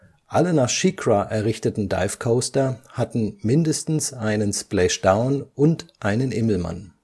Alle nach SheiKra errichteten Dive Coaster hatten mindestens einen Splashdown und einen Immelmann